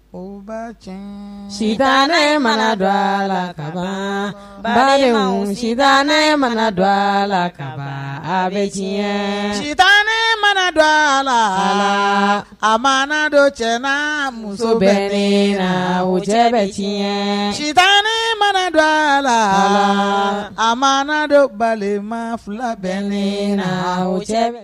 O ba cɛ sita ne mana dɔ a la ka bali sita ne mana dɔ a la ka bɛ diɲɛ sita ne mana dɔ a la a ma dɔ cɛ muso bɛ le la o cɛ bɛ sita ne mana dɔ a la a ma dɔ balima fila bɛ le la wo cɛ